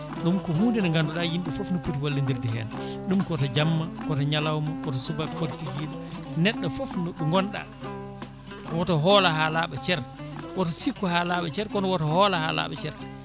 ɗum ko hunde nde ganduɗa yimɓe foof ne pooti wallodirde hen ɗum ko to jamma ko to ñalawma ko to subaka ko to kikiɗe neɗɗo foof ɗo gonɗa oto hoolo ha laaɓa ceer oto sikku ha laaɓa ceer kono woto hoolo ha laaɓa ceer